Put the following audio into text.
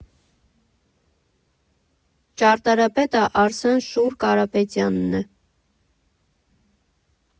Ճարտարապետը Արսեն Շուռ Կարապետյանն է։